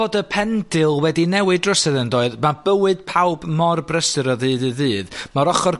...bod y pendil wedi newid rywsut yndoedd? Ma' bywyd pawb mor brysur o ddydd i ddydd. Ma'r ochor